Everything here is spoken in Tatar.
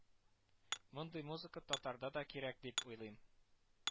Мондый музыка татарда да кирәк дип уйлыйм